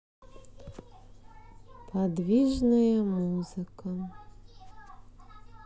подвижная музыка